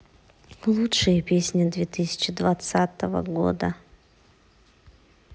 лучшие песни две тысячи двадцатого года